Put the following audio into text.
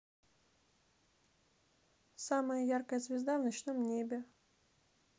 самая яркая звезда в ночном небе